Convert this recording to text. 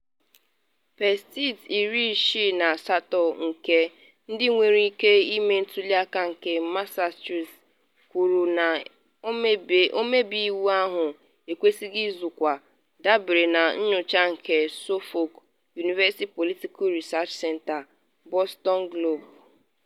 Pesentị Iri ise na asatọ nke “ndị nwere ike” ime ntuli aka nke Massachusetts kwuru na ọmebe iwu ahụ ekwesịghị ịzọ ọkwa, dabere na nyocha nke Suffolk University Poilitical Research Center/Boston Globe.